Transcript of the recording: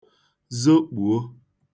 zokpuo